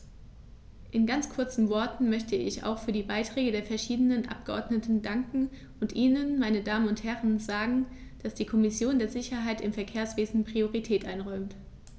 In ganz kurzen Worten möchte ich auch für die Beiträge der verschiedenen Abgeordneten danken und Ihnen, meine Damen und Herren, sagen, dass die Kommission der Sicherheit im Verkehrswesen Priorität einräumt.